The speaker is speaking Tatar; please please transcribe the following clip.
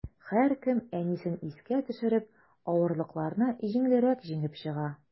Һәркем, әнисен искә төшереп, авырлыкларны җиңелрәк җиңеп чыга.